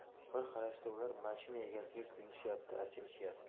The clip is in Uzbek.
bir qarashda ular mashina egasiga kuyinishyapti achinishyapti